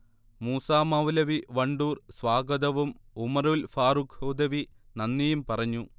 മൂസമൗലവി വണ്ടൂർ സ്വാഗതവും ഉമറുൽ ഫാറൂഖ്ഹുദവി നന്ദിയും പറഞ്ഞു